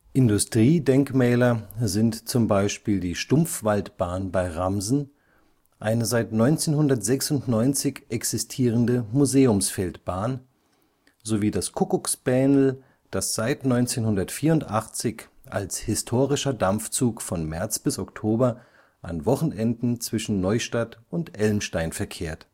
Industriedenkmäler sind z. B. die Stumpfwaldbahn bei Ramsen, eine seit 1996 existierende Museumsfeldbahn, sowie das Kuckucksbähnel (vgl. auch Abschnitt Verkehr), das seit 1984 als historischer Dampfzug von März bis Oktober an Wochenenden zwischen Neustadt und Elmstein verkehrt